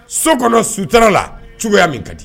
So kɔnɔ sutura la cogoya min ka di